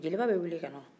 jeliba bɛ wuli ka na